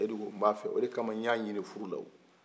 seyidu ko b'an fɛ o de kama n ɲa ɲini furu la